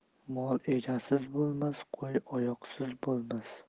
mol egasiz bo'lmas qo'y oqsoqsiz bo'lmas